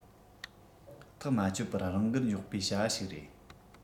ཐག མ ཆོད པར རང དགར འཇོག པའི བྱ བ ཞིག རེད